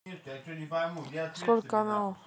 сколько каналов